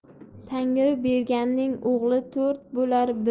tangri berganning o'g'li to'rt bo'lar